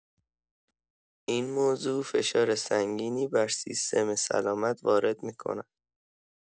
این موضوع فشار سنگینی بر سیستم سلامت وارد می‌کند.